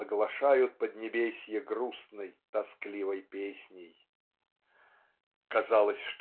оглашают поднебесье грустной тоскливой песней". "Казалось